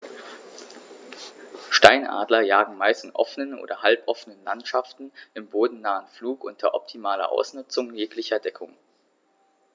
Steinadler jagen meist in offenen oder halboffenen Landschaften im bodennahen Flug unter optimaler Ausnutzung jeglicher Deckung.